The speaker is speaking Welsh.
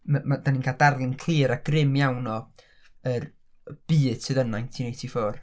'ma 'ma dan ni'n cael darlun clir a grim iawn o yr byd sydd yn nineteen eighty four